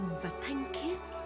và thanh thiết